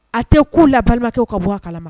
A tɛ ku la balimakɛ ka bɔ a kalama